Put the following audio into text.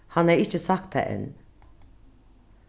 hann hevði ikki sagt tað enn